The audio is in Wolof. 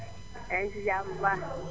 yaa ngi ci jàmm bu baax